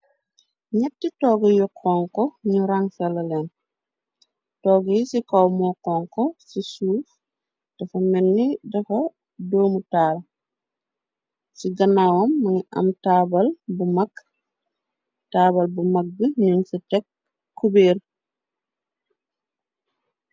Ñetti toog yu honku ñu ransala leen, toog yu ci kaw moo honku ci suuf dafa melni dafa doomu taal. Ci ganaawam mëngi am taabl bu mag, taabl bu mag bi ñun ci tekk kubeer.